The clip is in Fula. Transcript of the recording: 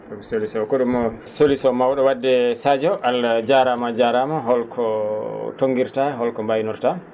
wa?i solution kono solution maw?o wadde Sadio Allah jaaraama a jaaraama holko to?nggirtaa holko mbaynorto ?aa